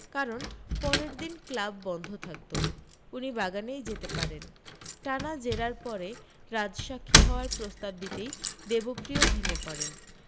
কারণ পরের দিন ক্লাব বন্ধ থাকত উনি বাগানেই যেতে পারেন টানা জেরার পরে রাজসাক্ষী হওয়ার প্রস্তাব দিতেই দেবপ্রিয় ভেঙে পড়েন